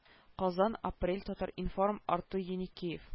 Казан апрель татар-информ артур еникеев